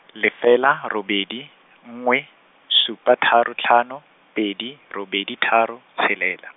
lefela robedi, nngwe, supa tharo hlano, pedi, robedi tharo, tshelela.